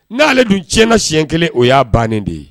N'ale dun ti na siɲɛ kelen o y' bannen de ye